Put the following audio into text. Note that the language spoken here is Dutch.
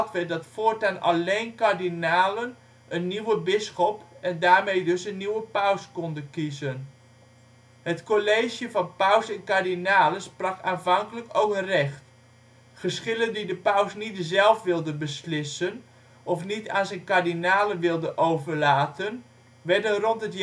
werd dat voortaan alleen kardinalen een nieuwe bisschop en daarmee dus een nieuwe paus mochten kiezen. Het college van paus en kardinalen sprak aanvankelijk ook recht. Geschillen die de paus niet zelf wilde beslissen of niet aan zijn kardinalen wilde overlaten, werden rond